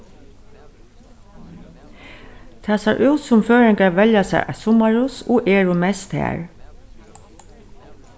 tað sær út sum føroyingar velja sær eitt summarhús og eru mest har